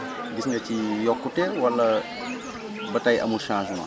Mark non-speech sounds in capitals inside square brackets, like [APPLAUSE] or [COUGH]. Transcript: gis nga ci yokkute walla [CROSSTALK] ba tey amul changement